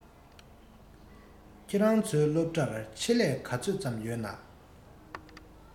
ཁྱོད རང ཚོའི སློབ གྲྭར ཆེད ལས ག ཚོད ཙམ ཡོད ན